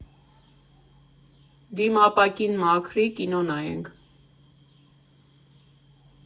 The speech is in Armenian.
Դիմապակին մաքրի, կինո նայենք։